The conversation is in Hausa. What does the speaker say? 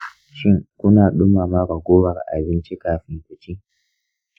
shin kuna dumama ragowar abinci kafin ku ci?